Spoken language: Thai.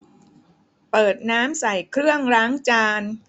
เปิดน้ำใส่เครื่องล้างจาน